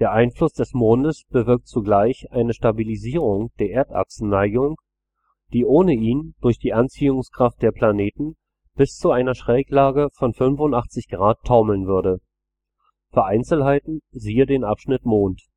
Einfluss des Mondes bewirkt zugleich eine Stabilisierung der Erdachsenneigung, die ohne ihn durch die Anziehungskraft der Planeten bis zu einer Schräglage von 85° taumeln würde. Für Einzelheiten siehe den Abschnitt Mond